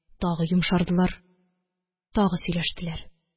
Тагы йомшардылар, тагы сөйләштеләр